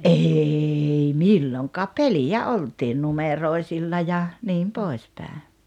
ei milloinkaan peliä oltiin numeroisilla ja niin pois päin